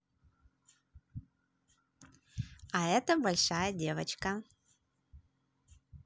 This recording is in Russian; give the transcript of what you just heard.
а это большая девочка